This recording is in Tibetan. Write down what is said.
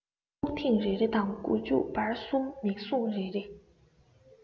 དབུགས ཐེངས རེ རེ དང མགོ མཇུག བར གསུམ མིག བཟུང རེ རེ